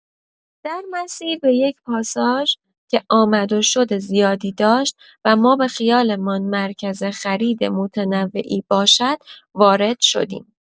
در مسیر به یک پاساژ که آمد و شد زیادی داشت و ما به خیالمان مرکز خرید متنوعی باشد وارد شدیم.